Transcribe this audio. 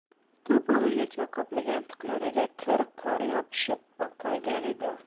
to'pig'igacha qoplagan tuklariga kir qor yopishib qolgan edi